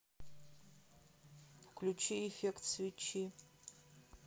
включи эффект свечи